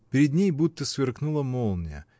Перед ней будто сверкнула молния.